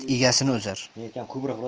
yomon it egasini uzar